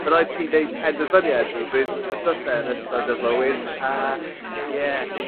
ma raid ti neud penderfyniad ryw bryd on'd o's e? Hmm. Yn ystod dy fywyd a ie